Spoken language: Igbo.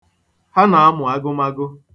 Ha na-amụ agụmagụ.